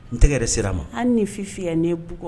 N tɛgɛɛrɛ sira a ma an ni fifiya ni bu kɔnɔ